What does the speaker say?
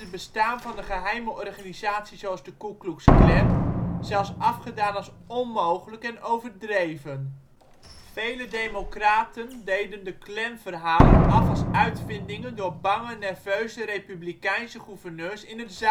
bestaan van een geheime organisatie zoals de Ku Klux Klan zelfs afgedaan als onmogelijk en overdreven. Vele Democraten deden de Klanverhalen af als uitvindingen door bange nerveuze republikeinse gouverneurs uit het Zuiden